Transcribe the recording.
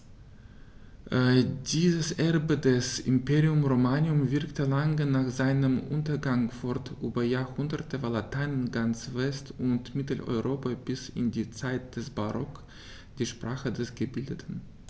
Dieses Erbe des Imperium Romanum wirkte lange nach seinem Untergang fort: Über Jahrhunderte war Latein in ganz West- und Mitteleuropa bis in die Zeit des Barock die Sprache der Gebildeten.